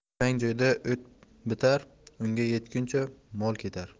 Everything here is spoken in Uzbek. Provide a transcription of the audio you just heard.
uypang joyda o't bitar unga yetguncha mol ketar